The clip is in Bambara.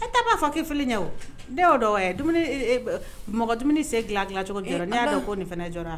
Ne taa b'a fɔ kɛfi ɲɛ o dɛ o dɔw mɔgɔ dumuni sen dilan dilan cogo ne yɛrɛ koo nin fana jɔ wa